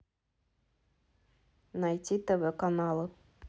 найти тв каналы